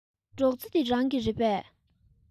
སྒྲོག རྩེ འདི རང གི རེད པས